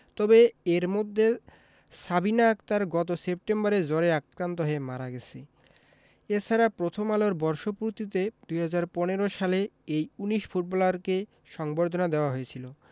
তবে এর মধ্যে সাবিনা আক্তার গত সেপ্টেম্বরে জ্বরে আক্রান্ত হয়ে মারা গেছে এ ছাড়া প্রথম আলোর বর্ষপূর্তিতে ২০১৫ সালে এই ১৯ ফুটবলারকে সংবর্ধনা দেওয়া হয়েছিল